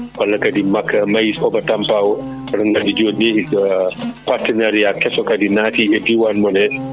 walla kadi makka nayyi soba tampa o * partenairiat kesso kadi naati e diwan naati e diwan mon he